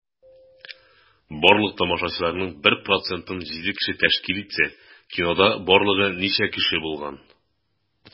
Барлык тамашачыларның 1 процентын 7 кеше тәшкил итсә, кинода барлыгы ничә кеше булган?